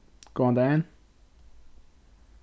góðan dagin